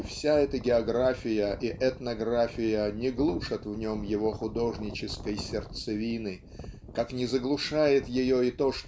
и вся эта география и этнография не глушат в нем его художнической сердцевины как не заглушает ее и то